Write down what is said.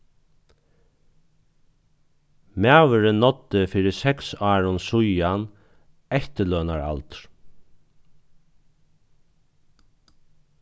maðurin náddi fyri seks árum síðan eftirlønaraldur